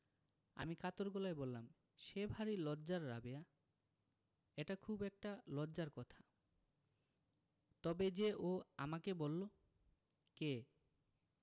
আমি কাতর গলায় বললাম সে ভারী লজ্জা রাবেয়া এটা খুব একটা লজ্জার কথা তবে যে ও আমাকে বললো কে